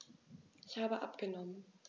Ich habe abgenommen.